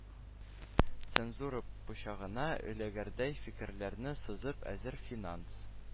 Цензура пычагына эләгердәй фикерләрне сызып, әзер финанс